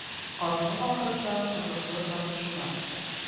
Атна ахырында кызыклы танышулар көтә.